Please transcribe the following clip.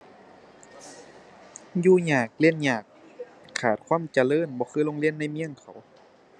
อยู่ยาก เรียนยาก ขาดความเจริญ บ่คือโรงเรียนในเมืองเขา